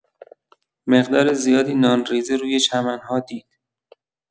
مقدار زیادی نان‌ریزه روی چمن‌ها دید.